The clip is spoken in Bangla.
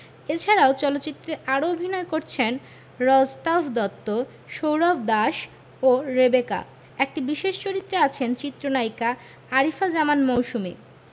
এছাড়াও চলচ্চিত্রে আরও অভিনয় করেছেন রজতাভ দত্ত সৌরভ দাস ও রেবেকা একটি বিশেষ চরিত্রে আছেন চিত্রনায়িকা আরিফা জামান মৌসুমী